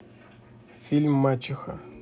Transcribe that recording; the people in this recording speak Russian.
фильм мачеха